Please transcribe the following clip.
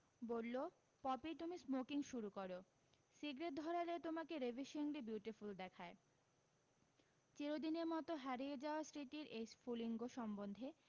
বললো পপি তুমি স্মোকিং শুরু করো সিগ্রেট ধরালে তোমাকে রেভিশিংলি বিউটিফুল দেখায় চিরদিনের মতো হারিয়ে যাওয়া স্মৃতির এই স্ফুলিঙ্গ সম্বন্ধে